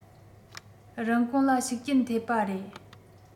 རིན གོང ལ ཤུགས རྐྱེན ཐེབས པ རེད